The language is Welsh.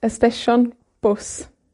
Y stesion bws.